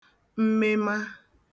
mmema